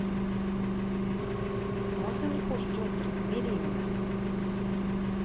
можно ли кушать острые беременна